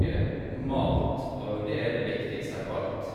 Mat, og det er det viktigste av alt.